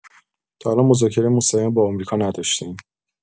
تا الان مذاکره مستقیم با آمریکا نداشته‌ایم.